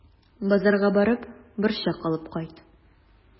Базарга барып, борчак алып кайт.